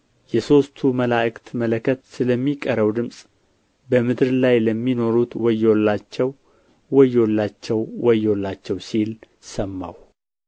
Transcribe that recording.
የሦስቱ መላእክት መለከት ስለሚቀረው ድምፅ በምድር ላይ ለሚኖሩት ወዮላቸው ወዮላቸው ወዮላቸው ሲል ሰማሁ